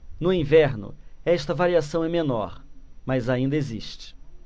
no inverno esta variação é menor mas ainda existe